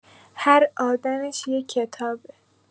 هر آدمش یه کتابه.